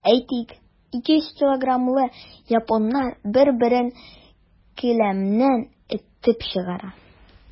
Әйтик, 200 килограммлы японнар бер-берен келәмнән этеп чыгара.